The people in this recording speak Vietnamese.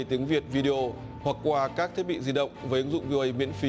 tiếng việt vi đi ô hoặc qua các thiết bị di động với ứng dụng ios miễn phí